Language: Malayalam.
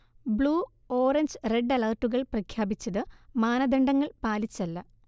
ബ്ലൂ, ഓറഞ്ച്, റെഡ് അലർട്ടുകൾ പ്രഖ്യാപിച്ചത് മാനദണ്ഡങ്ങൾ പാലിച്ചല്ല